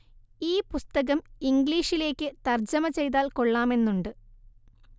ഈ പുസ്തകം ഇംഗ്ലീഷിലേക്ക് തർജ്ജമ ചെയ്താൽ കൊള്ളാമെന്നുണ്ട്